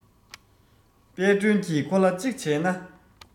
དཔལ སྒྲོན གྱིས ཁོ ལ གཅིག བྱས ན